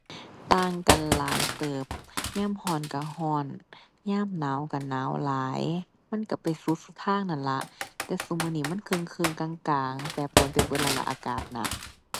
ต่างกันหลายเติบ ยามร้อนร้อนร้อน ยามหนาวร้อนหนาวหลาย มันร้อนไปสุดซุทางนั่นล่ะ แต่ซุมื้อนี้มันร้อนร้อนกลางกลาง แปรปรวนไปเบิดแล้วล่ะอากาศน่ะ